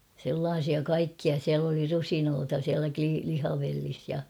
sellaisia kaikkia siellä oli rusinoita siellä - lihavellissä ja